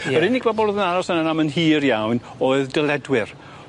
Ie. Yr unig bobol o'dd yn aros yna am yn hir iawn oedd dyledwyr.